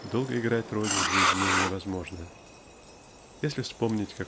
долго играть роль в жизни невозможно. Если вспомнить